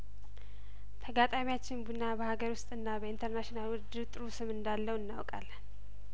ተጋጣሚያችን ቡና በአገር ውስጥ እና በኢንተርናሽናል ውድድር ጥሩ ስም እንዳለው እናውቃለን